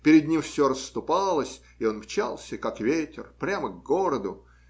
перед ним все расступалось, и он мчался, как ветер, прямо к городу.